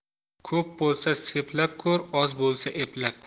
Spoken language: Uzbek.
ko'p bo'lsa seplab ko'r oz bo'lsa eplab